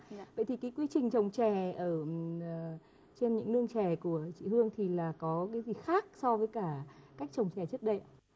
ạ vậy thì cái quy trình trồng chè ở ngờ trên những nương chè của chị hương thì là có cái gì khác so với cả cách trồng chè trước đây ạ